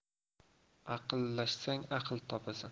aqllashsang aql topasan